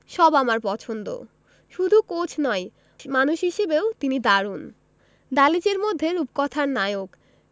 সব আমার পছন্দ শুধু কোচ নয় মানুষ হিসেবেও তিনি দারুণ দালিচ এর মধ্যে রূপকথার নায়ক